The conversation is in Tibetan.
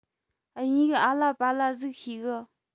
དབྱིན ཡིག ཨ ལ པ ལ ཟིག ཤེས གི